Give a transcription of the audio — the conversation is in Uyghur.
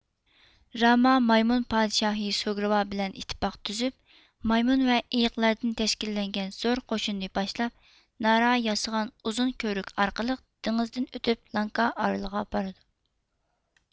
راما مايمۇن پادىشاھى سۇگرىۋا بىلەن ئىتتىپاق تۈزۈپ مايمۇن ۋە ئېيىقلاردىن تەشكىللەنگەن زور قوشۇننى باشلاپ نارا ياسىغان ئۇزۇن كۆۋرۈك ئارقىلىق دېڭىزدىن ئۆتۈپ لانكا ئارىلىغا بارىدۇ